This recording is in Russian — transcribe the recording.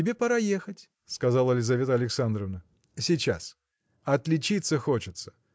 тебе пора ехать, – сказала Лизавета Александровна. – Сейчас. – Отличиться хочется?